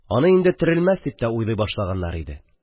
Аны инде терелмәс дип тә уйлый башлаганнар иде.